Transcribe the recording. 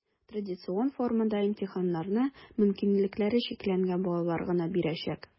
Традицион формада имтиханнарны мөмкинлекләре чикләнгән балалар гына бирәчәк.